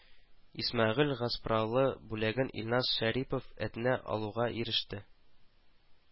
Исмәгыйль Гаспралы бүләген Илназ Шәрипов Әтнә алуга иреште